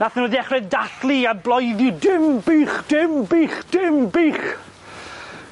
Nathon nhw dechre dallu a bloeddu dim bych, dim bych, dim bych.